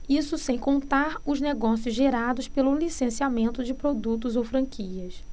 isso sem contar os negócios gerados pelo licenciamento de produtos ou franquias